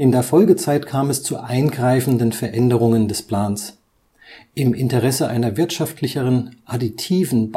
der Folgezeit kam es zu eingreifenden Veränderungen des Plans; im Interesse einer wirtschaftlicheren, additiven